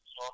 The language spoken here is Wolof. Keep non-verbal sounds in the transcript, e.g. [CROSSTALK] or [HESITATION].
[HESITATION] [HESITATION]